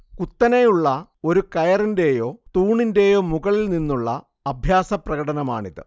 കുത്തനെയുള്ള ഒരു കയറിൻറെയോ തൂണിൻറെയോ മുകളിൽ നിന്നുള്ള അഭ്യാസപ്രകടനമാണിത്